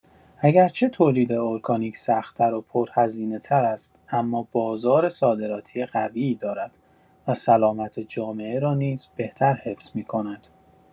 اگرچه تولید ارگانیک سخت‌تر و پرهزینه‌تر است اما بازار صادراتی قوی دارد و سلامت جامعه را نیز بهتر حفظ می‌کند.